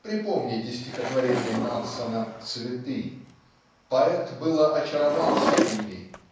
Припомните стихотворение Надсона "Цветы". Поэт было очаровался ими